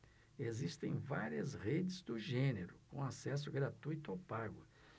existem várias redes do gênero com acesso gratuito ou pago